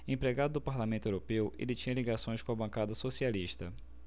empregado do parlamento europeu ele tinha ligações com a bancada socialista